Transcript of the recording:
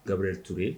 Garuruyɛli Ture.